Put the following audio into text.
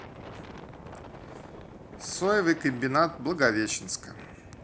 соевый комбинат благовещенска